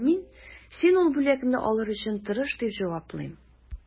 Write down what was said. Ә мин, син ул бүләкне алыр өчен тырыш, дип җаваплыйм.